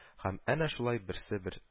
Һәм әнә шулай берсе-бер